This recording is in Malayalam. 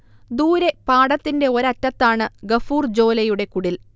ദൂരെ പാടത്തിന്റെ ഒരറ്റത്താണ് ഗഫൂർ ജോലയുടെ കുടിൽ